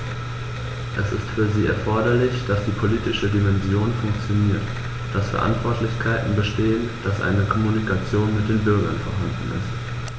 Es ist für sie erforderlich, dass die politische Dimension funktioniert, dass Verantwortlichkeiten bestehen, dass eine Kommunikation mit den Bürgern vorhanden ist.